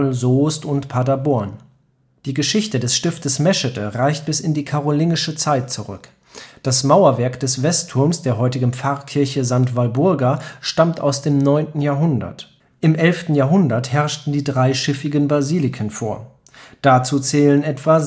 Soest und Paderborn. Die Geschichte des Stiftes Meschede reicht bis in die karolingische Zeit zurück. Das Mauerwerk des Westturms der heutigen Pfarrkirche St. Walburga stammt aus dem 9. Jahrhundert. Im 11. Jahrhundert herrschten die dreischiffigen Basiliken vor. Dazu zählen etwa